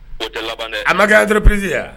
O tɛ laban dɛ. A ma kɛ entreprise ye wa ?